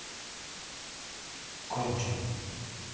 конченный